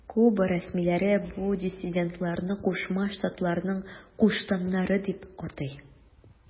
Куба рәсмиләре бу диссидентларны Кушма Штатларның куштаннары дип атый.